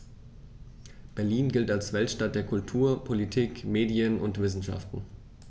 Berlin gilt als Weltstadt der Kultur, Politik, Medien und Wissenschaften.